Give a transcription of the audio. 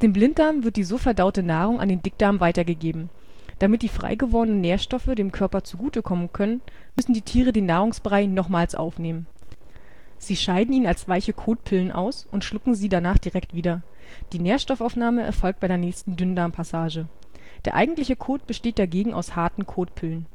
Blinddarm wird die so verdaute Nahrung an den Dickdarm weitergegeben. Damit die freigewordenen Nährstoffe dem Körper zugute kommen können, müssen die Tiere den Nahrungsbrei nochmals aufnehmen. Sie scheiden ihn als weiche Kotpillen aus (Caecotrophe) und schlucken sie danach direkt wieder, die Nährstoffaufnahme erfolgt bei der nächsten Dünndarmpassage. Der eigentliche Kot besteht dagegen aus harten Kotpillen